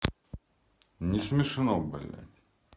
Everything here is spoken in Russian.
не смешно блять